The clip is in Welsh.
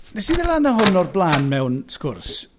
Wnes i ddod lan â hwn o'r blaen mewn sgwrs?